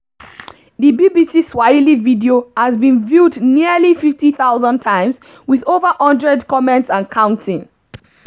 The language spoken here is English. The BBC Swahili video has been viewed nearly 50,000 times with over 100 comments and counting.